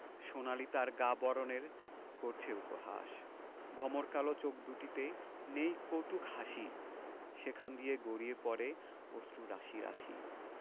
সোনালি তার গা বরণের করছে উপহাস ভমর কালো চোখ দুটিতে নেই কৌতুক হাসি সেখান দিয়ে গড়িয়ে পড়ে অশ্রু রাশি রাশি